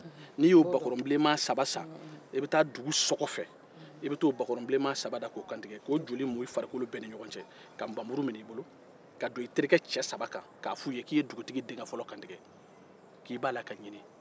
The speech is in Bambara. n'i y'o bakɔrɔn bilenman saba san i bɛ taa n'u ye dugu so kɔ fɛ i b'u kantigɛ k'u joli mun i fari fan bɛɛ la i bɛ sɔrɔ ka npanmuru minɛ i bolo kɔnɔ ka fɔ i terikɛ saba k'i ye dugutigi denkɛ faga k'i b'a la ka ɲini